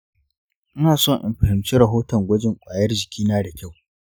ina son in fahimci rahoton gwajin ƙwayar jikina da kyau.